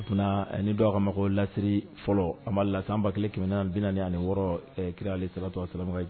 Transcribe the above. Mun na ni dɔw ka ma laseliri fɔlɔ . A bangela San 1446 kira sira